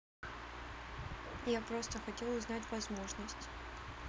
я просто хотел узнать возможность